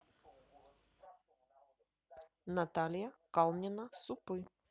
наталья калнина супы